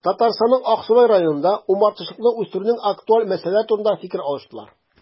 Татарстанның Аксубай районында умартачылыкны үстерүнең актуаль мәсьәләләре турында фикер алыштылар